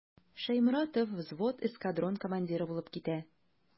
Шәйморатов взвод, эскадрон командиры булып китә.